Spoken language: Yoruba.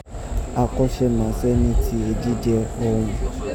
Akọsẹ màṣẹ ni ti ejíjẹ ọghọ́n.